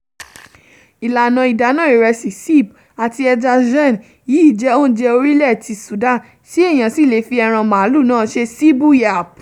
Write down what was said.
Ìlànà ìdáná ìrẹsì (ceeb) àti ẹja (jenn) yìí jẹ́ oúnjẹ orílẹ̀ ti Sudan tí èèyàn sì lè fi ẹran màálù náà sè é (ceebu yapp).